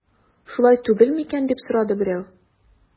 Шулай түгел микән дип сорады берәү.